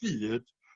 byd